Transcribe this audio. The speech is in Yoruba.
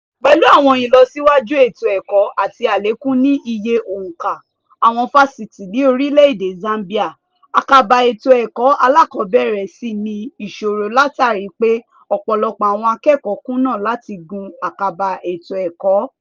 Pẹ̀lú àwọn ìlọsíwájú ètò ẹ̀kọ́ àti àlékún ní iye òǹkà àwọn fáṣítì ní orílẹ̀ èdè Zambia, àkàbà ètò ẹ̀kọ́ alákọ̀ọ́bẹ̀rẹ̀ sì ní ìṣòro látàrí pé ọ̀pọ̀lọpọ̀ àwọn akẹ́kọ̀ọ́ kùnà láti gùn àkàbà ètò ẹ̀kọ́.